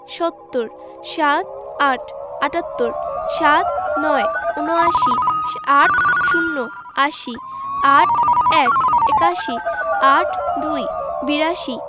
সাত্তর ৭৮ আটাত্তর ৭৯ উনআশি ৮০ আশি ৮১ একাশি ৮২ বিরাশি